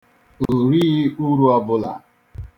O righi uru ọbụla.